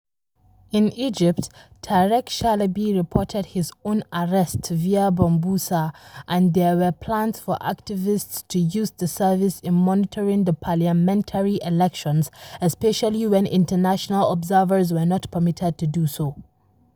In Egypt Tarek Shalaby reported his own arrest via Bambuser, and there were plans for activists to use the service in monitoring the parliamentary elections especially when international observers were not permitted to do so.